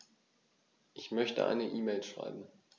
Ich möchte eine E-Mail schreiben.